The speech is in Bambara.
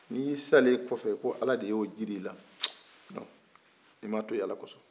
ni salen kɔfɛ ko ala de yo jira la i mato to in ala